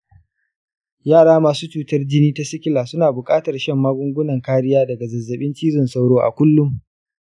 yara masu cutar jini ta sikila suna buƙatar shan magungunan kariya daga zazzabin cizon sauro a kullum.